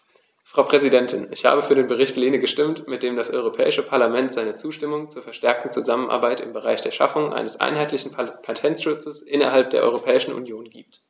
Frau Präsidentin, ich habe für den Bericht Lehne gestimmt, mit dem das Europäische Parlament seine Zustimmung zur verstärkten Zusammenarbeit im Bereich der Schaffung eines einheitlichen Patentschutzes innerhalb der Europäischen Union gibt.